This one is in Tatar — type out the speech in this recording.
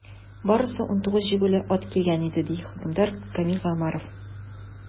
Барысы 19 җигүле ат килгән иде, - ди хөкемдар Камил Гомәров.